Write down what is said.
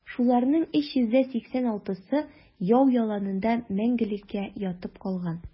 Шуларның 386-сы яу яланында мәңгелеккә ятып калган.